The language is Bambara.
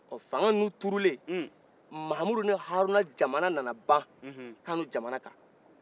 hon fangan nin turulen mamudu ni haruna jamana nan ban kanu jamana kan